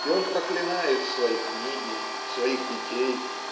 и он проклинает свои книги своих детей